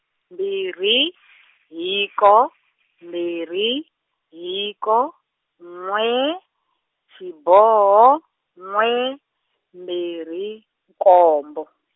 mbirhi, hiko, mbirhi, hiko, n'we, xiboho, n'we, mbirhi, nkombo.